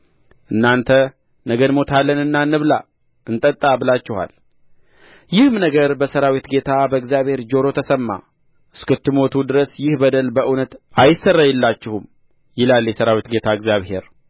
እናንተ ነገ እንሞታለንና እንብላ እንጠጣ ብላችኋል ይህም ነገር በሠራዊት ጌታ በእግዚአብሔር ጆሮ ተሰማ እስክትሞቱ ድረስ ይህ በደል በእውነት አይሰረይላችሁም ይላል